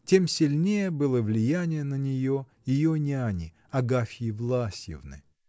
тем сильнее было влияние на нее ее няни, Агафьи Власьевны.